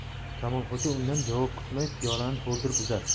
kamolxo'ja undan javob kutmay piyolani to'ldirib uzatdi